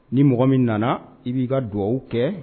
Ni mɔgɔ min nana i b'i ka dugawwa kɛ